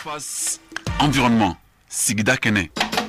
Anw sigida kɛnɛ